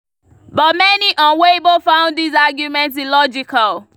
But many on Weibo found these arguments illogical.